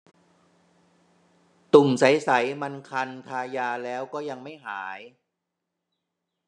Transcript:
ตุ่มใสใสมันคันทายาแล้วก็ยังไม่หาย